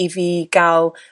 i fi ga'l